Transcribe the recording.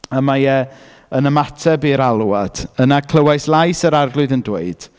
A mae e yn ymateb i'r alwad, yna clywais lais yr arglwydd yn dweud...